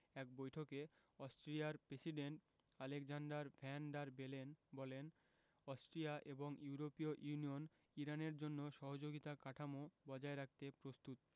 এক বৈঠকে অস্ট্রিয়ার president Alexander Van der Bellen বলেন অস্ট্রিয়া এবং ইউরোপীয় ইউনিয়ন ইরানের জন্য সহযোগিতা কাঠামো বজায় রাখতে প্রস্তুত